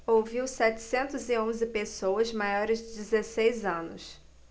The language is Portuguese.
ouviu setecentos e onze pessoas maiores de dezesseis anos